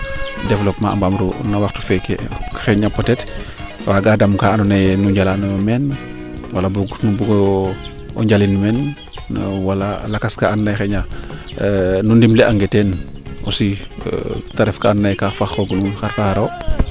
developpement a mbaam ru no waxtu feeke xayna peut etre waga dam kaa ando naye nu njalanoyo meene wala boog nu njalin meen no wala lakas ka ando naye xayna nu ndimle ange teen nu ndimle ange teen aussi te ref ka ando naye kaa faax koogu xar fo xaro